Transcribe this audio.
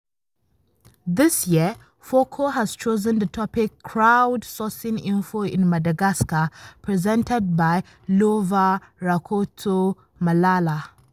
This year Foko has choosen the topic “Crowd sourcing info in Madagascar” presented by Lova Rakotomalala.